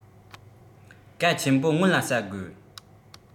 ཀྭ ཆེན པོ སྔོན ལ ཟ དགོས